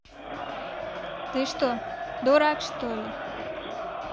ты что дурак что ли